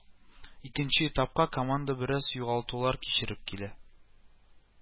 Икенче этапка команда бераз югалтулар кичереп килә